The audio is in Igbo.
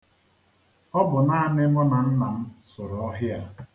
Ọ bụ naanị mụ na nna m sụrụ ọhịa a.